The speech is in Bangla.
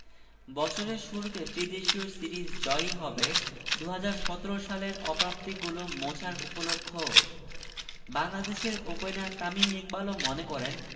বছরের শুরুতে ত্রিদেশীয় সিরিজ জয়ই হবে ২০১৭ সালের অপ্রাপ্তিগুলো মোছার উপলক্ষও বাংলাদেশের ওপেনার তামিম ইকবালও মনে করেন